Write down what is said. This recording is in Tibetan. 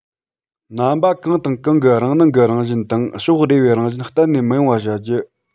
རྣམ པ གང དང གང གི རང སྣང གི རང བཞིན དང ཕྱོགས རེ བའི རང བཞིན གཏན ནས མི ཡོང བ བྱ རྒྱུ